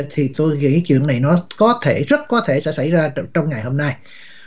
thì tôi nghĩ chuyện này nó có thể rất có thể sẽ xảy ra trong ngày hôm nay